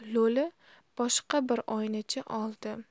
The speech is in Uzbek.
lo'li boshqa bir oynacha oldi